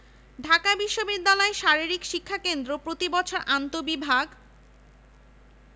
ঢাকা বিশ্ববিদ্যালয় শারীরিক শিক্ষা কেন্দ্র প্রতিবছর আন্তঃবিভাগ